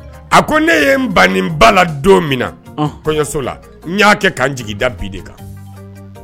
A ko ne ye n banba la don min na kɔɲɔso la n y'a kɛ ka n jigin da bi de kan